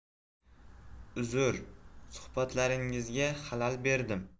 uzr suhbatlaringizga xalal berdim